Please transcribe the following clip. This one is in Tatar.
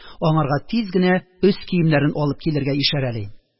Аңарга тиз генә өс киемнәрен алып килергә ишарәли